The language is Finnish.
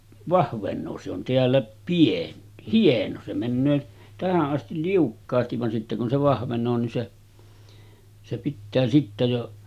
vahvenee se on täällä - hieno se menee tähän asti liukkaasti vaan sitten kun se vahvenee niin se se pitää sitten jo